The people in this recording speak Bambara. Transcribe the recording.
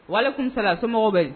Wale kun sara somɔgɔw bɛ